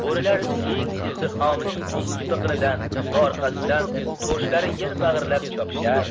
bo'rilar kiyik izdihomining ikki biqinidan va orqasidan to'shlari yer bag'irlab chopishar